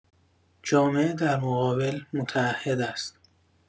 جامعه در مقابل متعهد است.